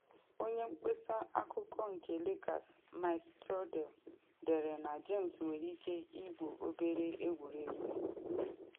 Onye mkpesa akụkọ nke Lakers Mike Trudell dere na James nwere ike igwu obere egwuregwu.